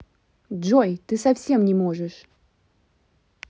джой ты совсем не можешь